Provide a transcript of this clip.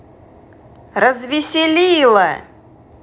развеселила